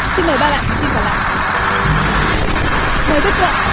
xin mời ba bạn thí sinh còn lại mời đức thuận